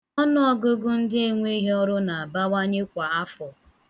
Ọnụọgụgụ ndị enweghị ọrụ na-abawanye kwa afọ.